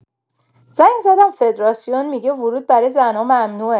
زنگ زدم فدارسیون می‌گه ورود برای زن‌ها ممنوعه.